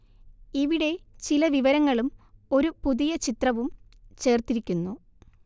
ഇവിടെ ചില വിവരങ്ങളും ഒരു പുതിയ ചിത്രവും ചേര്‍ത്തിരിക്കുന്നു